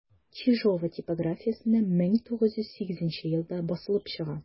Чижова типографиясендә 1908 елда басылып чыга.